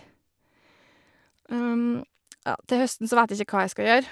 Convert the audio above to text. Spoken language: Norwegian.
Ja, til høsten så vet jeg ikke hva jeg skal gjøre.